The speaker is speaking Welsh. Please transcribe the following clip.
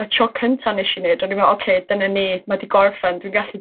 y tro cynta' nesh i neud o'n i me'wl oce, dyna ni. Ma' 'di gorffen. Dwi'n gallu